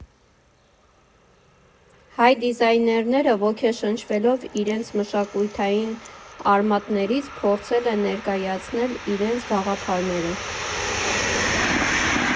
Հայ դիզայներները, ոգեշնչվելով իրենց մշակութային արմատներից, փորձել են ներկայացնել իրենց գաղափարները։